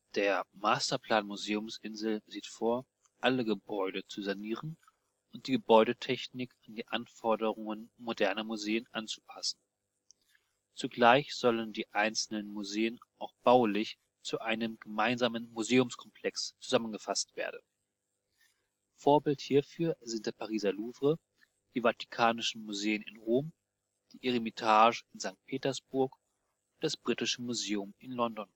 Der Masterplan Museumsinsel sieht vor, alle Gebäude zu sanieren und die Gebäudetechnik an die Anforderungen moderner Museen anzupassen. Zugleich sollen die einzelnen Museen auch baulich zu einem gemeinsamen Museumskomplex zusammengefasst werden. Vorbild hierfür sind der Pariser Louvre, die vatikanischen Museen in Rom, die Eremitage in Sankt Petersburg, und das Britische Museum in London